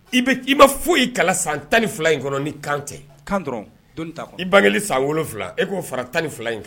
I bɛ i ma foyi i kala san tan ni fila in kɔnɔ ni kan kan i bange san wolo wolonwula e k'o fara tan ni fila in kan